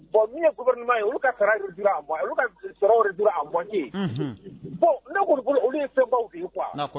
Bon min ye gouvernement ye, olu ka sara réduit la à moitié . Ne fɛ olu ye fɛn baw de ye quoi